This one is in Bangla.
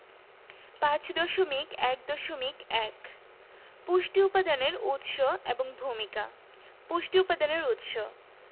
৫.১।.১ পুষ্টি উপাদানের উৎস এবং ভূমিকা পুষ্টি উপাদানের উৎস